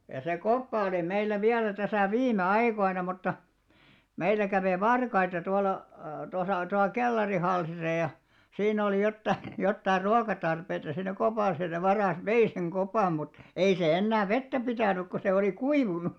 ja se koppa oli meillä vielä tässä viime aikoina mutta meillä kävi varkaita tuolla tuossa tuolla kellarihalssissa ja siinä oli jotakin jotakin ruokatarpeita siinä kopassa ja se varas vei sen kopan mutta ei se enää vettä pitänyt kun se oli kuivunut